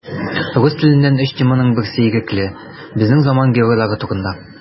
Урыс теленнән өч теманың берсе ирекле: безнең заман геройлары турында.